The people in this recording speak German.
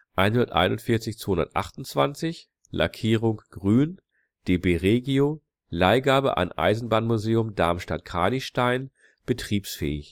141 228 (Lackierung: grün, DB Regio, Leihgabe an Eisenbahnmuseum Darmstadt-Kranichstein, betriebsfähig